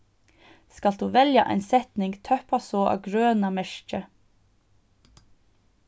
skalt tú velja ein setning tøppa so á grøna merkið